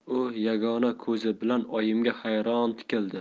u yagona ko'zi bilan oyimga hayron tikildi